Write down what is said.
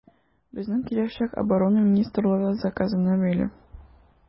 Безнең киләчәк Оборона министрлыгы заказына бәйле.